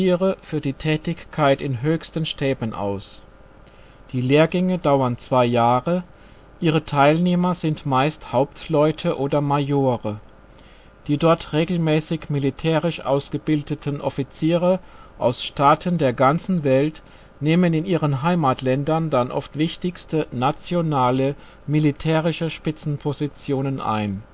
Offiziere für die Tätigkeit in höchsten Stäben aus. Die Lehrgänge dauern zwei Jahre, ihre Teilnehmer sind meist Hauptleute oder Majore. Die dort regelmäßig militärisch ausgebildeten Offiziere aus Staaten der ganzen Welt nehmen in Ihren Heimatländern dann oft wichtigste nationale militärische Spitzenpositionen ein